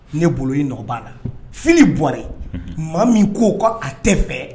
Ne bolo i' la finiɔrrɛ maa min ko ko a tɛ fɛ